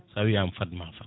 sz wiyama faad ma faad